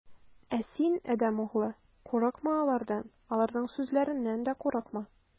Ә син, адәм углы, курыкма алардан да, аларның сүзләреннән дә курыкма.